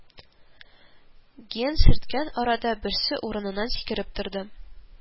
Ген сөрткән арада, берсе урыныннан сикереп торды: